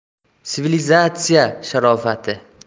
sivilizatsiya sharofati